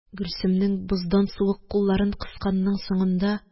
Гөлсемнең боздан суык кулларын кысканның соңында